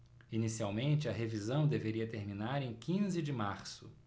inicialmente a revisão deveria terminar em quinze de março